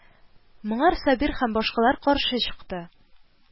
Моңар Сабир һәм башкалар каршы чыкты: